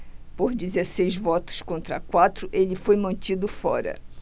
por dezesseis votos contra quatro ele foi mantido fora